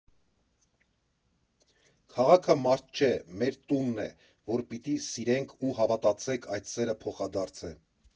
Քաղաքը մարդ չէ՝ մեր տունն է, որ պիտի սիրենք, ու հավատացեք, այդ սերը փոխադարձ է։